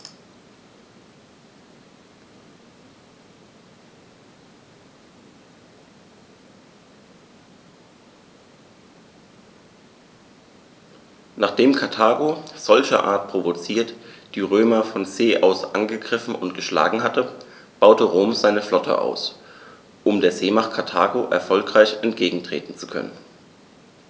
Nachdem Karthago, solcherart provoziert, die Römer von See aus angegriffen und geschlagen hatte, baute Rom seine Flotte aus, um der Seemacht Karthago erfolgreich entgegentreten zu können.